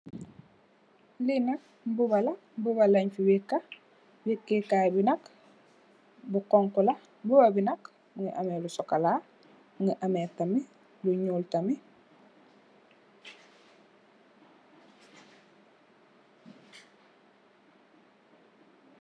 Li nak mbuba la mbuba lañ fi wekka, wekké kay bi nak bu xonxu la, mbubu bi nak mungi ameh lu sokola mungii ameh tamit lu ñuul tamit.